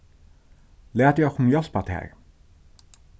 latið okkum hjálpa tær